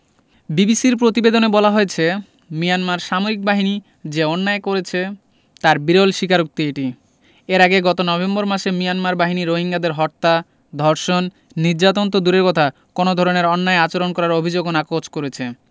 বিবিসির প্রতিবেদনে বলা হয়েছে মিয়ানমার সামরিক বাহিনী যে অন্যায় করেছে তার বিরল স্বীকারোক্তি এটি এর আগে গত নভেম্বর মাসে মিয়ানমার বাহিনী রোহিঙ্গাদের হত্যা ধর্ষণ নির্যাতন তো দূরের কথা কোনো ধরনের অন্যায় আচরণ করার অভিযোগও নাকচ করেছে